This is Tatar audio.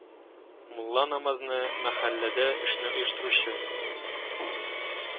Мулла намазны, мәхәлләдә эшне оештыручы